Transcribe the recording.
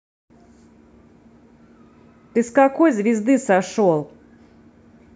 ты с какой звезды сошел